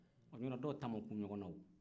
n'o tɛ dɔw ta ma ku ɲɔgɔn o